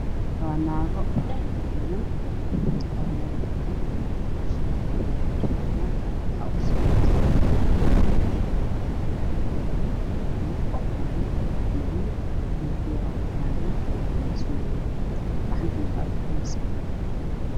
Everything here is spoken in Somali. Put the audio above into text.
Waa naago aad u faro badan oo meel fadhiyo